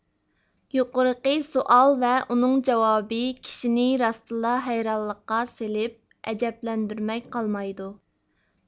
يۇقىرىقى سوئال ۋە ئۇنىڭ جاۋابى كىشىنى راستتىنلا ھەيرانلىققا سېلىپ ئەجەبلەندۈرمەي قالمايدۇ